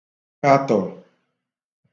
kàtọ